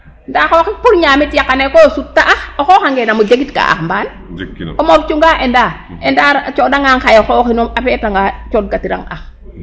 Ndaa xooxik pour ñaamik yakanee koy o sutaa ax o xooxange namo jegitka ax mbaan o moof cunga ENDA. ENDA cooxangang xaye xaye xooxino a feetanga cooɗkatirang ax .